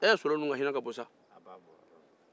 ɛɛ solo ninnu ka hinɛ ka bon sa